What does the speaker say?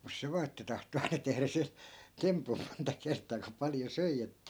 mutta se vain että tahtoi aina tehdä se tempun monta kertaa kun paljon söi että